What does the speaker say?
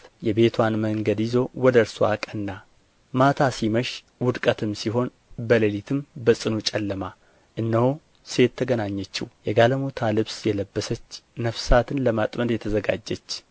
የቤትዋን መንገድ ይዞ ወደ እርስዋ አቀና ማታ ሲመሽ ውድቅትም ሲሆን በሌሊትም በጽኑ ጨለማ እነሆ ሴት ተገናኘችው የጋለሞታ ልብስ የለበሰች ነፍሳትን ለማጥመድ የተዘጋጀች